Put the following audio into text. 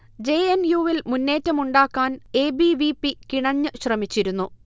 J. N. U. വിൽ മുന്നേറ്റം ഉണ്ടാക്കാൻ എ. ബി. വി. പി കിണഞ്ഞ് ശ്രമിച്ചിരുന്നു